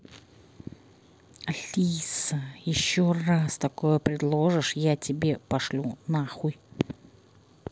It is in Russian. alisa еще раз такое предложишь я тебе пошлю нахуй